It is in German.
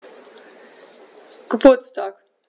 Geburtstag